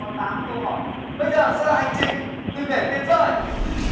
có tám câu hỏi bây giờ sẽ là hành trình đừng để tiền rơi